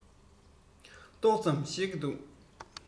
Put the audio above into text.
ཏོག ཚམ ཤེས ཀྱི འདུག